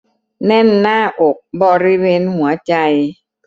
แน่นหน้าอกบริเวณหัวใจ